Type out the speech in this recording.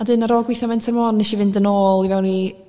a 'dyn ar ôl gwithio'n Menter Môn neshi fynd yn ôl i fewn i